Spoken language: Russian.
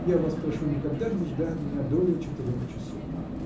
Я вас прошу никогда не ждать меня долее четырех часов.